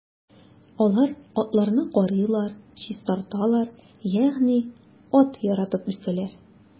Алар атларны карыйлар, чистарталар, ягъни ат яратып үсәләр.